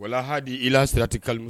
Walahadi i sirati kalo